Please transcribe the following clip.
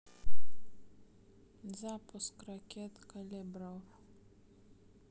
запуск ракет калибров